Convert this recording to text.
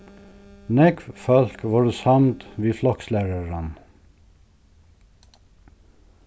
nógv fólk vóru samd við flokslæraran